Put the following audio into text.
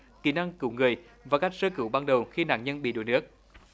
kỹ năng cứu người và cách sơ cứu ban đầu khi nạn nhân bị đuối nước